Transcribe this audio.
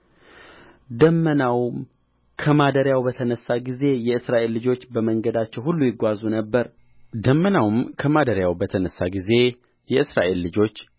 ደመናውም ከማደሪያው በተነሣ ጊዜ የእስራኤል ልጆች በመንገዳቸው ሁሉ ይጓዙ ነበር ደመናውም ከማደሪያው በተነሣ ጊዜ የእስራኤል ልጆች